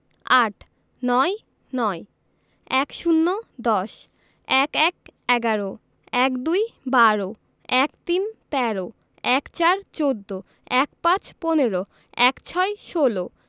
আট ৯ - নয় ১০ – দশ ১১ - এগারো ১২ - বারো ১৩ - তেরো ১৪ - চৌদ্দ ১৫ – পনেরো ১৬ - ষোল